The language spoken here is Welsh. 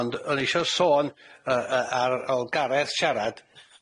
ond o'n i isho sôn yy yy ar ôl Gareth sharad